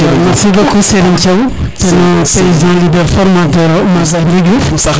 iyo merci beaucoup Serigne Thiaw teno paysan leaders formateur o maga a Ndioundiouf